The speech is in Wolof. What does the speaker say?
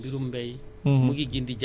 depuis ay at aussi yu jàll